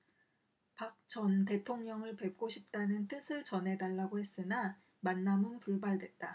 박 전 대통령을 뵙고 싶다는 뜻을 전해달라고 했으나 만남은 불발됐다